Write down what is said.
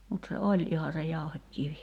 mutta se oli ihan se jauhekivi